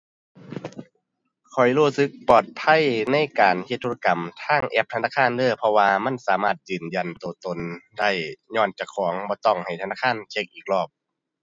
ข้อยรู้สึกปลอดภัยในการเฮ็ดธุรกรรมทางแอปธนาคารเน้อ เพราะว่ามันสามารถยืนยันตัวตนได้ ญ้อนเจ้าของบ่ต้องให้ธนาคารเช็กอีกรอบ